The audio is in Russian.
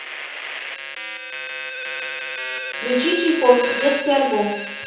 включи чайковский детский альбом